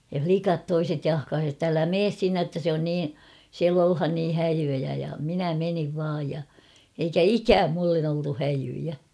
ja likat toiset jahkasi että älä mene sinne että se on niin siellä ollaan niin häijyjä ja minä menin vain ja eikä ikään minulle oltu häijyjä